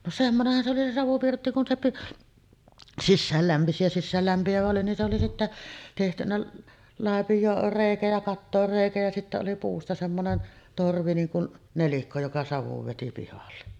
no semmoinenhan se oli se savupirtti kun se - sisään lämpisi ja sisäänlämpiävä oli niin se oli sitten tehty laipioon reikä ja kattoon reikä ja sitten oli puusta semmoinen torvi niin kuin nelikko joka savun veti pihalle